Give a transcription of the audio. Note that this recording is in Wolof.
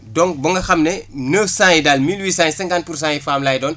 donc ba nga xam ne neuf cent yi daal mille huit cent yi cinquante pour cent yi femmes lay doon